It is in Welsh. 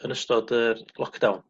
yn ystod yr lockdown